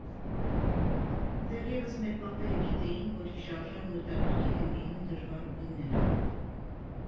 Դեռևս մեր պապերը գիտեին, որ հիշարժան ու հետաքրքիր են լինում դժվար ուղիները։